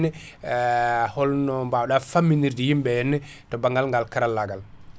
holno mbawɗa famminirde yimɓe henna to bangal ngal karallagal